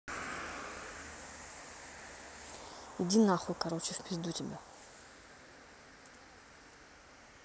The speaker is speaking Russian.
иди нахуй короче в пизду тебя